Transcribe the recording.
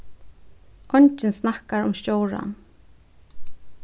eingin snakkar um stjóran